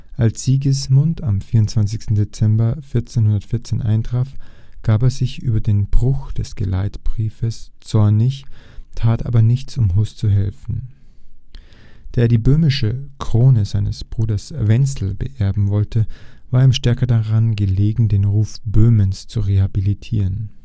Als Sigismund am 24. Dezember 1414 eintraf, gab er sich über den Bruch des Geleitbriefes zornig, tat aber nichts, um Hus zu helfen. Da er die böhmische Krone seines Bruders Wenzel beerben wollte, war ihm stärker daran gelegen, den Ruf Böhmens zu rehabilitieren